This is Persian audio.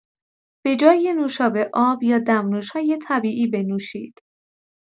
به‌جای نوشابه، آب یا دمنوش‌های طبیعی بنوشید.